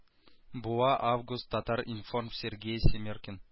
Буа август татар информ сергей семеркин